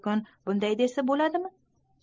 bir kun bunday desa bo'ladimi